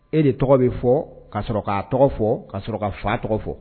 E de tɔgɔ be fɔɔ ka sɔrɔ k'a tɔgɔ fɔɔ ka sɔrɔ ka fa tɔgɔ fɔ